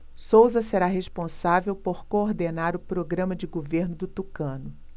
souza será responsável por coordenar o programa de governo do tucano